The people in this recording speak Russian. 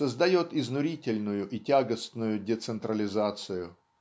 создает изнурительную и тягостную децентрализацию.